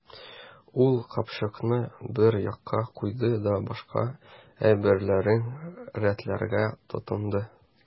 Ул капчыкны бер якка куйды да башка әйберләрен рәтләргә тотынды.